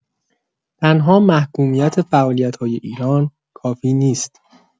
تنها محکومیت فعالیت‌های ایران کافی نیست.